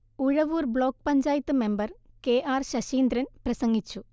Uzhavoor block panchayat member K R Saseendran പ്രസംഗിച്ചു